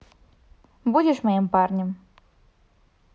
будешь моим парнем